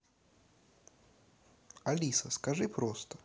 алиса скажи просто